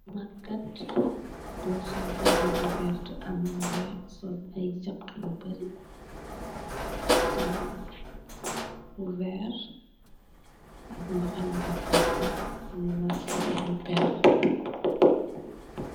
Magat bu sol yere bu werta ak bu weex sol ay cxa yu bari sol weer ak mbahana bu xonxu def ay perr.